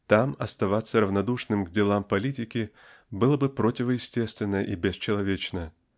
--там оставаться равнодушным к делам политики было бы противоестественно и бесчеловечно.